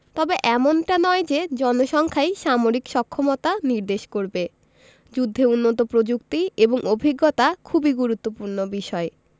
তবে এমনটা নয় যে জনসংখ্যাই সামরিক সক্ষমতা নির্দেশ করবে যুদ্ধে উন্নত প্রযুক্তি এবং অভিজ্ঞতা খুবই গুরুত্বপূর্ণ বিষয়